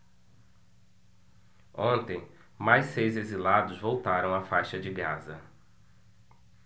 ontem mais seis exilados voltaram à faixa de gaza